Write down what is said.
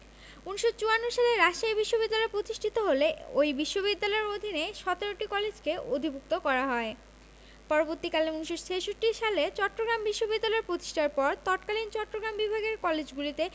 ১৯৫৪ সালে রাজশাহী বিশ্ববিদ্যালয় প্রতিষ্ঠিত হলে ওই বিশ্ববিদ্যালয়ের অধীনে ১৭টি কলেজকে অধিভুক্ত করা হয় পরবর্তীকালে ১৯৬৬ সালে চট্টগ্রাম বিশ্ববিদ্যালয় প্রতিষ্ঠার পর তৎকালীন চট্টগ্রাম বিভাগের কলেজগুলিকে